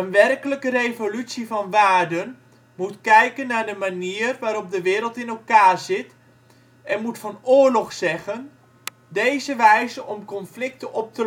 werkelijke revolutie van waarden moet kijken naar de manier waarop de wereld in elkaar zit, en moet van oorlog zeggen: " Deze wijze om conflicten op